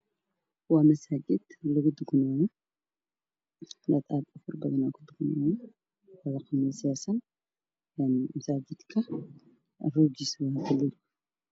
Waa masaajid lagu tukanayo masaajidka wuxuu ka sameysan yahay dabaq roogiisu waa cagaar